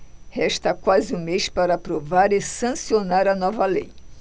resta quase um mês para aprovar e sancionar a nova lei